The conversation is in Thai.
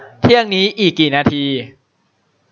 เที่ยงนี้อีกกี่นาที